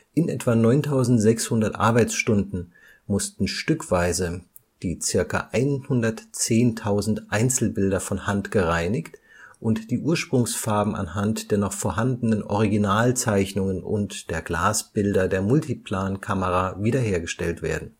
In etwa 9600 Arbeitsstunden mussten stückweise die circa 110.000 Einzelbilder von Hand gereinigt und die Ursprungsfarben anhand der noch vorhandenen Originalzeichnungen und der Glasbilder der Multiplan-Kamera wiederhergestellt werden